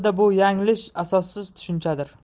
yanglish asossiz tushunchadir